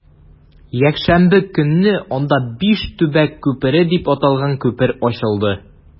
Якшәмбе көнне анда “Биш төбәк күпере” дип аталган күпер ачылды.